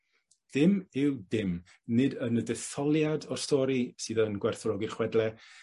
Ddim yw dim, nid yn y detholiad o'r stori sydd yn Gwerthfawrogi Chwedle,